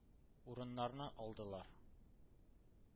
Урыннарны алдылар.